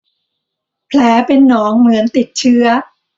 แผลเป็นหนองเหมือนติดเชื้อ